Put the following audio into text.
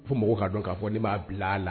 Fɔ mɔgɔ k'a dɔn k'a fɔ nin b'a bila a la.